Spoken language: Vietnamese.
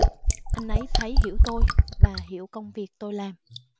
anh ấy thấy hiểu tôi và hiểu công việc tôi làm